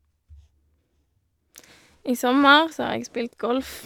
I sommer så har jeg spilt golf.